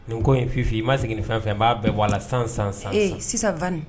Ni ko in fifin i maa sigi ni fɛn fɛn b'a bɛ wala sisansansan ee sisanin